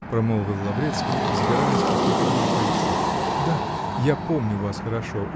-- промолвил Лаврецкий, взбираясь по ступеням крыльца. -- Да. -- Я помню вас хорошо